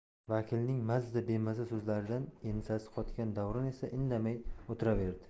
vakilning maza bemaza so'zlaridan ensasi qotgan davron esa indamay o'tiraverdi